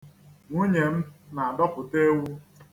Nwunye m na-adọpụta ewu.